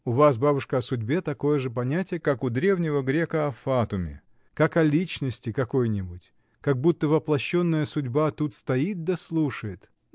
— У вас, бабушка, о судьбе такое же понятие, как у древнего грека о фатуме: как о личности какой-нибудь, как будто воплощенная судьба тут стоит да слушает.